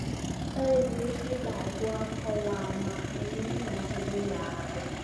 ใช้ YouTube หลายกว่า เพราะว่ามักมันมีอิหยังให้เบิ่งหลาย